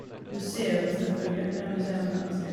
Museum, selvfølgelig, jeg er museumsmenneske.